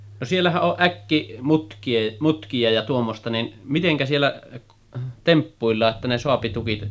no siellähän on äkkimutkia ja tuommoista niin miten siellä temppuillaan jotta ne saa tukit